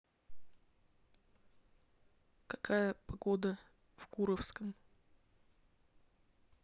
какая погода в куровском